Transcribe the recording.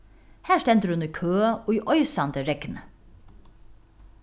har stendur hon í kø í oysandi regni